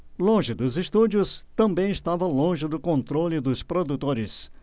longe dos estúdios também estava longe do controle dos produtores